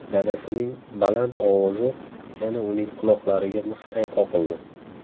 dadasining baland ovozi yana uning quloqlariga mixday qoqildi